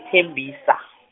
Tembisa .